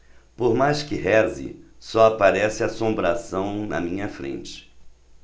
por mais que reze só aparece assombração na minha frente